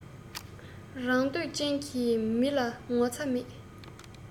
རང འདོད ཅན གྱི མི ལ ངོ ཚ མེད